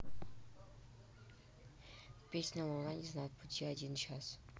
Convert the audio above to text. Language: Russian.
песня луна не знает пути один час